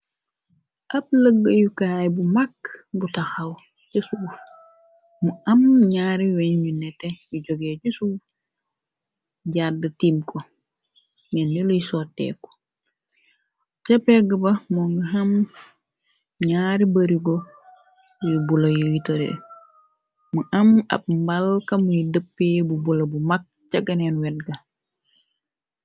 Ab lëggayukaay bu mag bu taxaw ca suuf, mu am ñaari weñ yu nete yu joge ju suuf, jàdd tiim ko, nen niluy sotteeku, ca pegg ba moo nga am ñaari barigo yu bula yuy tore, mu am ab mbal kamuy dëppee bu bula, bu mag caganeen wetga.